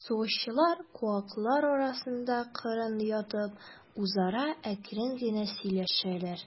Сугышчылар, куаклар арасында кырын ятып, үзара әкрен генә сөйләшәләр.